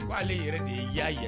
Ko aleale yɛrɛ de ye'a ye